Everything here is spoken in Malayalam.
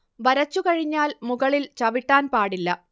വരച്ചു കഴിഞ്ഞാൽ മുകളിൽ ചവിട്ടാൻ പാടില്ല